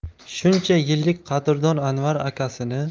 shuncha yillik qadrdon anvar akasini